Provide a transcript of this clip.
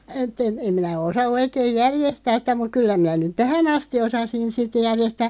että en en minä osaa oikein järjestää sitä mutta kyllä minä nyt tähän asti osasin sitten järjestää